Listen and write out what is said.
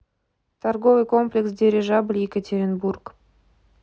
торговый комплекс дирижабль екатеринбург